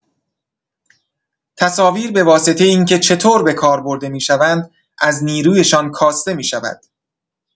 تصاویر به واسطه اینکه چطور به کار برده می‌شوند از نیرویشان کاسته می‌شود.